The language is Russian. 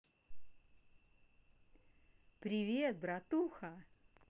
привет братуха